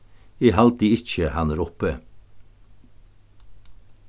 eg haldi ikki hann er uppi